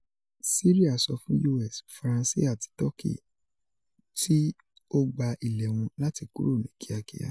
Siria sọ fun US, Faranse ati Tọki ‘tiogba ilẹ wọn’ lati kúrò ni kiakia